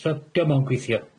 So, dio'm yn gweithio.